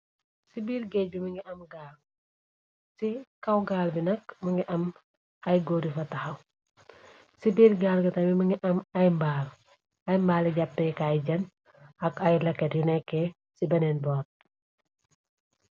Ci biir géej bi mongi am gaal ci kaw gaal bi nak mongi am ay góor yufa taxaw ci biir gaal bi tamt mongi am ay mbaal ay mbaali jàppeekaay jeen ak ay lakat yu nekke ci benen borr.